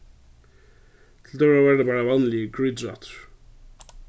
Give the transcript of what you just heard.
til døgurða var bara vanligur grýturættur